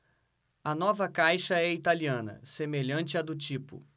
a nova caixa é italiana semelhante à do tipo